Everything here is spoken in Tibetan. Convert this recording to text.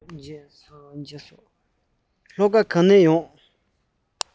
ལྷོ ཁ ག ནས ཕེབས པྰ